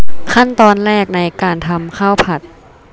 ขั้นตอนแรกในการทำข้าวผัด